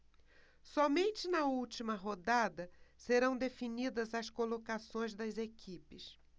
somente na última rodada serão definidas as colocações das equipes